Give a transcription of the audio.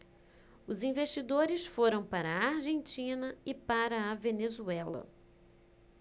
os investidores foram para a argentina e para a venezuela